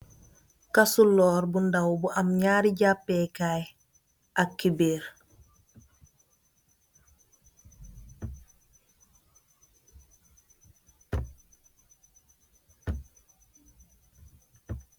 Kastulor bu ndoww bu am nyari japey kay ak kuber